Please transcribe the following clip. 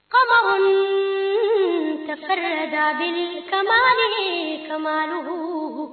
Faamasonin tɛ da kasonin kadugu